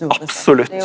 absolutt.